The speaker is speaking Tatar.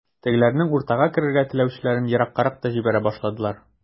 Тегеләрнең уртага керергә теләүчеләрен ераккарак та җибәрә башладылар.